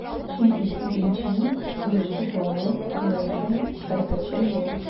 Чөнки, беренчедән, бу яшьтә балалар аеруча хәрәкәтчән була.